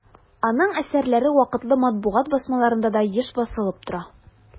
Аның әсәрләре вакытлы матбугат басмаларында да еш басылып тора.